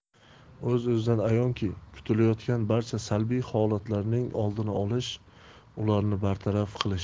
o'z o'zidan ayonki kutilayotgan barcha salbiy holatlarning oldini olish ularni bartaraf qilish